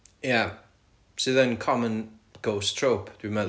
ia sydd yn common ghost trope dwi meddwl.